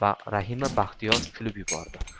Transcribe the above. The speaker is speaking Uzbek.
rahima beixtiyor kulib yubordi